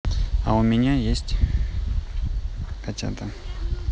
а у меня есть котята